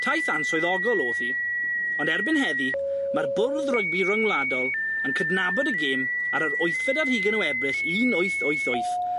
Taith answyddogol o'dd hi, ond erbyn heddi ma'r bwrdd rygbi ryngwladol yn cydnabod y gêm ar yr wythfed ar hugen o Ebrill un wyth wyth wyth